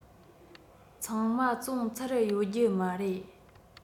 ཚང མ བཙོང ཚར ཡོད རྒྱུ མ རེད